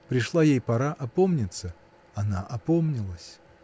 Пришла ей пора опомниться: она опомнилась.